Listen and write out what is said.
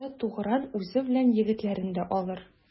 Оста Тугран үзе белән егетләрен дә алыр.